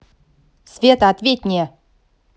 света ответь мне